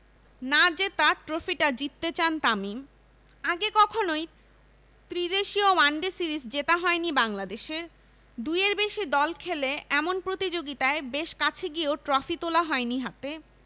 না জেতা ট্রফিটা জিততে চান তামিম আগে কখনোই ত্রিদেশীয় ওয়ানডে সিরিজ জেতা হয়নি বাংলাদেশের দুইয়ের বেশি দল খেলে এমন প্রতিযোগিতায় বেশ কাছে গিয়েও ট্রফি তোলা হয়নি হাতে